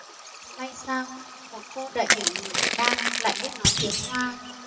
may sao một cô đại biểu người việt nam lại biết nói tiếng hoa